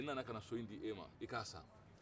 n nana kana so in d'e ma ɔ i k'a san